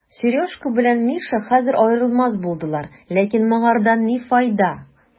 Сережка белән Миша хәзер аерылмас булдылар, ләкин моңардан ни файда?